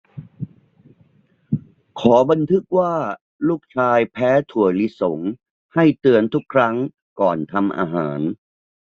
ขอบันทึกว่าลูกชายแพ้ถั่วลิสงให้เตือนทุกครั้งก่อนทำอาหาร